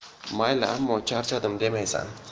mayli ammo charchadim demaysan